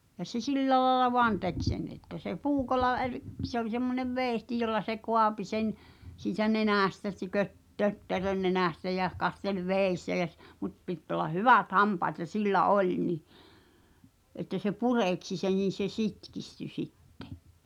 ja se sillä lailla vain teki sen että se puukolla -- se oli semmoinen veitsi jolla se kaapi sen siitä nenästä - tötterön nenästä ja kasteli vedessä ja - mutta piti olla hyvät hampaat ja sillä oli niin että se pureksi sen niin se sitkistyi sitten